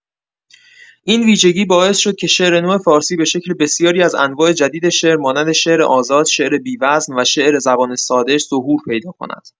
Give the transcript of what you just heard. این ویژگی باعث شد که شعر نو فارسی به‌شکل بسیاری از انواع جدید شعر، مانند شعر آزاد، شعر بی‌وزن و شعر زبان ساده، ظهور پیدا کند.